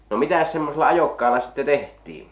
no mitäs semmoisella ajokkaalla sitten tehtiin